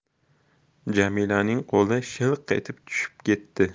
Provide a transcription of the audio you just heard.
jamilaning qo'li shilq etib tushib ketdi